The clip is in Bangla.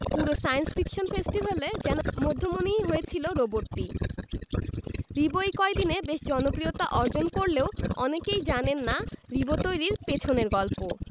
পুরো সায়েন্স ফিকশন ফেস্টিভ্যালে যেন মধ্যমণি হয়েছিল রোবটটি রিবো এই কয়দিনে বেশ জনপ্রিয়তা অর্জন করলেও অনেকেই জানেন না রিবো তৈরির পেছনের গল্প